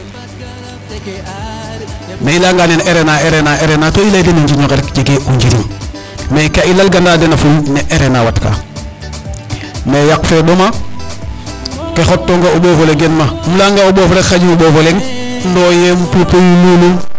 Mais i layanga nene RNA RNA to i layee den o njiriñ onqe rek jegee o njiriñ mais ka i lalganafulaa ne RNA a watka .Mais yaq fe ɗoma ke xotoona o Ɓoof ole genma um layanga o Ɓoof rek xaƴim o Ɓoof o leŋ Ndoyen Puufi.